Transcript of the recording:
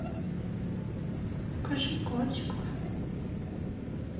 покажи котиков